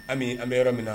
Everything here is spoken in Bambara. Ami an bɛ yɔrɔ minna na